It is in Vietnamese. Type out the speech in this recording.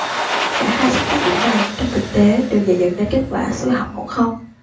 cả hai xuất phát điểm này trong thực tế đều dễ dẫn đến kết quả xôi hỏng bỏng không